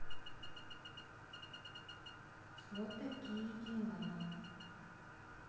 вот такие дела